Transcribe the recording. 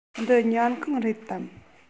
འདི ཉལ ཁང རེད དམ